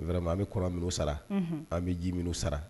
An bɛ kɔrɔ minnu sara an bɛ ji minnu sara